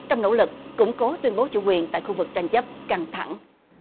trong nỗ lực củng cố tuyên bố chủ quyền tại khu vực tranh chấp căng thẳng